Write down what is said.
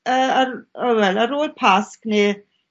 yy yr o wel ar ôl Pasg ne'